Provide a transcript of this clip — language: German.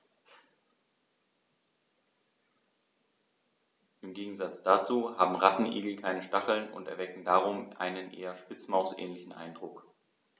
Im Gegensatz dazu haben Rattenigel keine Stacheln und erwecken darum einen eher Spitzmaus-ähnlichen Eindruck.